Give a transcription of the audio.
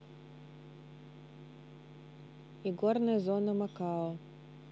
игорная зона макао